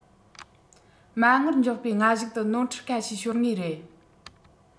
མ དངུལ འཇོག པའི སྔ གཞུག ཏུ ནོར འཁྲུལ ཁ ཤས ཤོར ངེས རེད